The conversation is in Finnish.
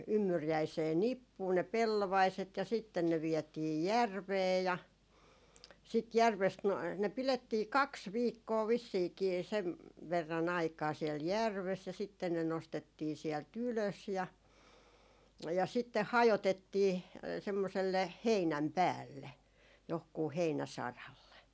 ymmyriäiseen nippuun ne pellovaiset ja sitten ne vietiin järveen ja sitten järvestä no ne pidettiin kaksi viikkoa vissiinkin sen verran aikaa siellä järvessä ja sitten ne nostettiin sieltä ylös ja ja sitten hajotettiin semmoiselle heinän päälle johonkin heinäsaralle